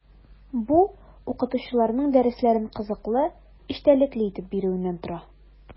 Бу – укытучыларның дәресләрен кызыклы, эчтәлекле итеп бирүеннән тора.